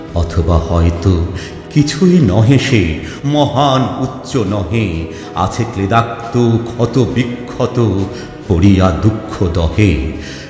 অথবা হয়ত কিছুই নহে সে মহান্ উচ্চ নহে আছে ক্লেদাক্ত ক্ষত বিক্ষত পড়িয়া দুঃখ দহে